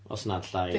Os nad llai.